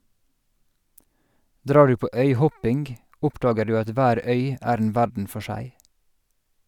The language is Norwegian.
Drar du på øyhopping, oppdager du at hver øy er en verden for seg.